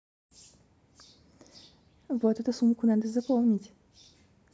вот эту сумку надо запомнить